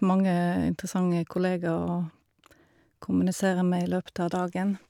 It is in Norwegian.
Mange interessante kolleger å kommunisere med i løpet av dagen.